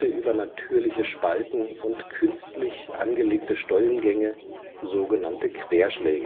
über natürliche Spalten und künstlich angelegte Stollengänge, sogenannte Querschläge